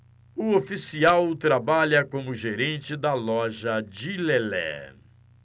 o oficial trabalha como gerente da loja de lelé